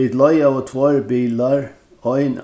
vit leigaðu tveir bilar ein